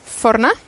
ffor 'na.